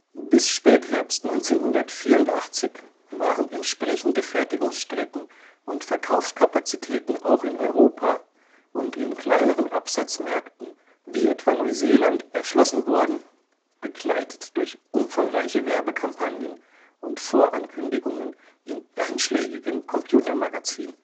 Bis Spätherbst 1984 waren entsprechende Fertigungsstrecken und Verkaufskapazitäten auch in Europa und in kleineren Absatzmärkten wie etwa Neuseeland erschlossen worden, begleitet durch umfangreiche Werbekampagnen und Vorankündigungen in einschlägigen Computermagazinen